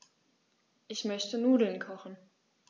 Ich möchte Nudeln kochen.